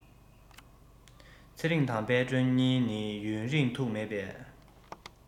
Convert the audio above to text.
ཚེ རིང དང དཔལ སྒྲོན གཉིས ནི ཡུན རིང ཐུགས མེད པས